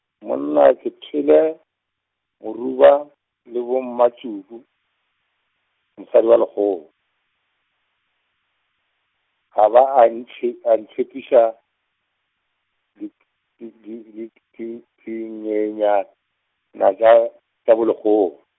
monna ke thwele Moruba le boMamatšuku, mosadi ao Lekgowa, a ba a ntshe, a ntshepiša , di di di di di engenyana tša, tša boLekgowa.